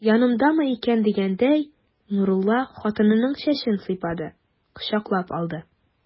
Янымдамы икән дигәндәй, Нурулла хатынының чәчен сыйпады, кочаклап алды.